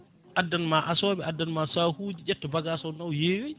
addanma asoɓe asanma sakuji ƴetta bagage o nawa yeyoya